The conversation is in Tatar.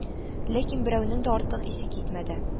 Ләкин берәүнең дә артык исе китмәде